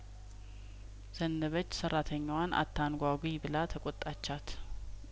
ዘነበች ሰራተኛዋን አታንጓጉ ብላ ተቆጣቻት